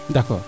d' accord